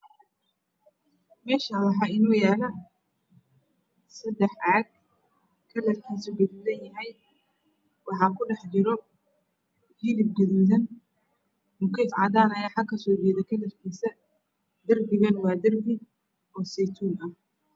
Meshan waxaa inoo yala sedax caag kalr kiisu gaduudan yahay waxaa ku dhex jira hilin gaduudan mukeef cadana ayaa xagaas kasoo jeeda derbigana waa midab seytuuniya